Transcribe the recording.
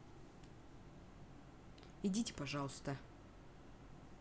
идите пожалуйста